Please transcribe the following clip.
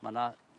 Ma' 'na